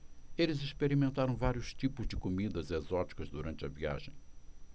eles experimentaram vários tipos de comidas exóticas durante a viagem